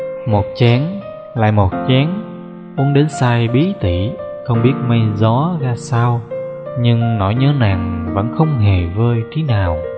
một chén lại một chén uống đến say bí tỷ không biết mây gió ra sao nhưng nỗi nhớ nàng vẫn không hề vơi tí nào